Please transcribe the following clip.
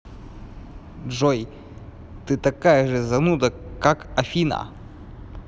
джой ты такая же зануда как афина